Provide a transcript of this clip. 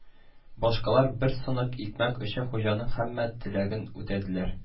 Башкалар бер сынык икмәк өчен хуҗаның һәммә теләген үтәделәр